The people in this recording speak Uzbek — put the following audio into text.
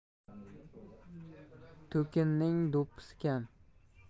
to'kinning do'ppisi kam